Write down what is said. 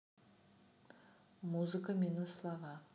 музыка минус слова